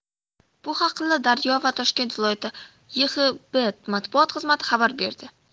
bu haqla daryo ga toshkent viloyati yhxb matbuot xizmati xabar berdi